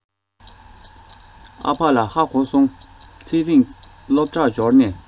ཨ ཕ ལ ཧ གོ སོང ཚེ རིང སློབ གྲྭར འབྱོར ནས